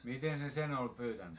miten se sen oli pyytänyt